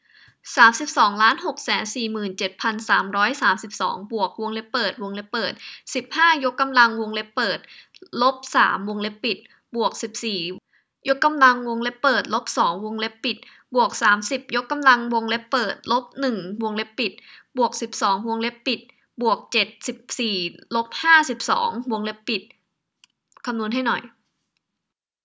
สามสิบสองล้านหกแสนสี่หมื่นเจ็ดพันสามร้อยสามสิบสองบวกวงเล็บเปิดวงเล็บเปิดสิบห้ายกกำลังวงเล็บเปิดลบสามวงเล็บปิดบวกสิบสี่ยกกำลังวงเล็บเปิดลบสองวงเล็บปิดบวกสิบสามยกกำลังวงเล็บเปิดลบหนึ่งวงเล็บปิดบวกสิบสองวงเล็บปิดบวกเจ็ดสิบสี่ลบห้าสิบสองวงเล็บปิดคำนวณให้หน่อย